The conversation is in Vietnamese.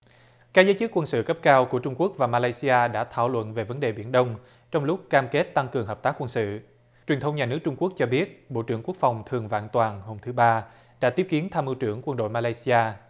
các giới chức quân sự cấp cao của trung quốc và ma lay si a đã thảo luận về vấn đề biển đông trong lúc cam kết tăng cường hợp tác quân sự truyền thông nhà nước trung quốc cho biết bộ trưởng quốc phòng thường vạn toàn hôm thứ ba đã tiếp kiến tham mưu trưởng quân đội ma lay xi a